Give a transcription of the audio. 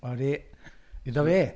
Odi. Iddo fe.